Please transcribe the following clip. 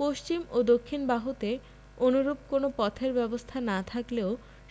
শেষ যুগে কক্ষগুলি পূজা বা প্রার্থনার